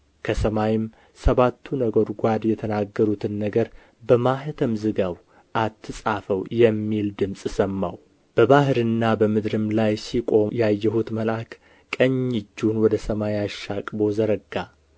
ከሰማይም ሰባቱ ነጐድጓድ የተናገሩትን ነገር በማኅተም ዝጋው አትጻፈውም የሚል ድምፅ ሰማሁ በባሕርና በምድርም ላይ ሲቆም ያየሁት መልአክ ቀኝ እጁን ወደ ሰማይ አሻቅቦ ዘረጋ